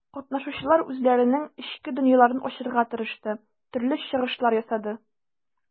Катнашучылар үзләренең эчке дөньяларын ачарга тырышты, төрле чыгышлар ясады.